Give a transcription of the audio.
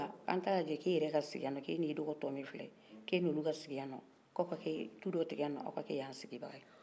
k'an ta lajɛ k'e yɛrɛ ka sigin yanɔn k'e nin dɔgɔtɔw minunu filɛ k'e n'olu ka sigin yan k'aw ka tun don tigɛyan k'aw ka kɛ yan sigin baga ye